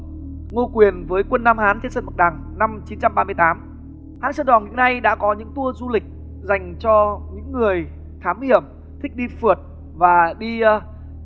ngô quyền với quân nam hán trên sông bạch đằng năm chín trăm ba mươi tám hang sơn đoòng nay đã có những tua du lịch dành cho những người thám hiểm thích đi phượt và đi a